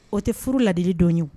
O tɛ furu ladilidon ye